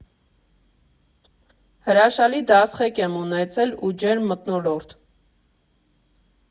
Հրաշալի դասղեկ եմ ունեցել ու ջերմ մթնոլորտ։